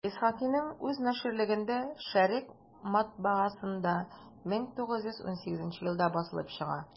Исхакыйның үз наширлегендә «Шәрекъ» матбагасында 1918 елда басылып чыга.